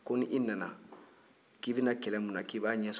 ko ni i nana k'i bɛ na kɛlɛ min na ko i b'a ɲɛsɔrɔ